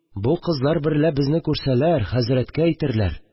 Бу кызлар берлә безне күрсәләр, хәзрәткә әйтерләр